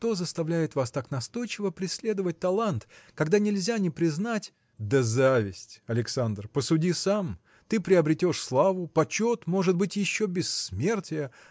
что заставляет вас так настойчиво преследовать талант когда нельзя не признать. – Да зависть, Александр. Посуди сам ты приобретешь славу почет может быть еще бессмертие